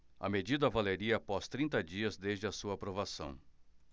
a medida valeria após trinta dias desde a sua aprovação